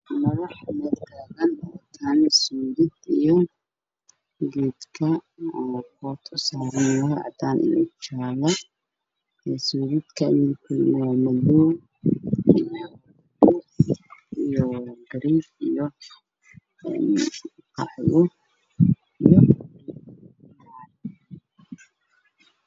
Meeshan waxaa taagan madax weyne waxayna qabaan suudad baluug iyo madow ah